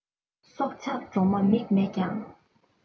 སྲོག ཆགས གྲོག མ མིག མེད ཀྱང